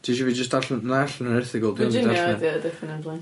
Ti isio fi jyst darllen 'na allan o'r erthygl,